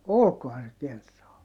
olikohan se kenraali